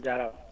jaaraama